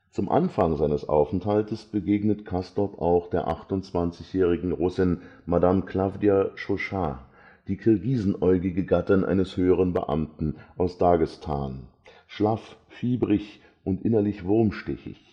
Zum Anfang seines Aufenthaltes begegnet Castorp auch der 28-jährigen Russin Madame Clawdia Chauchat, die „ kirgisenäugige “Gattin eines höheren Beamten aus Daghestan, „ schlaff, fiebrig und innerlich wurmstichig